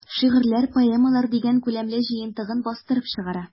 "шигырьләр, поэмалар” дигән күләмле җыентыгын бастырып чыгара.